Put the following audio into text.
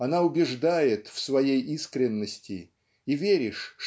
она убеждает в своей искренности и веришь